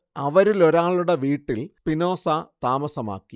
അവരിലൊരാളുടെ വീട്ടിൽ സ്പിനോസ താമസമാക്കി